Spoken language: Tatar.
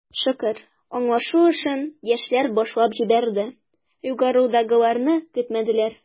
Шөкер, аңлашу эшен, яшьләр башлап җибәрде, югарыдагыларны көтмәделәр.